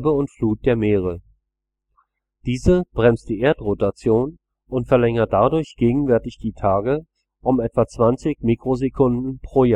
und Flut der Meere. Diese bremst die Erdrotation und verlängert dadurch gegenwärtig die Tage um etwa 20 Mikrosekunden pro